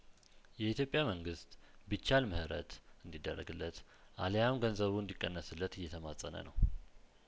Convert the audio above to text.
የኢትዮጵያ መንግስት ቢቻል ምህረት እንዲደረግለት አሊያም ገንዘቡ እንዲቀነስለት እየተማጸነ ነው